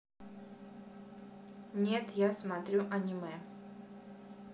нет я смотрю аниме